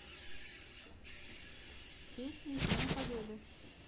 песни с днем победы